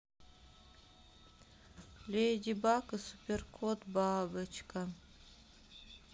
леди баг и суперкот бабочка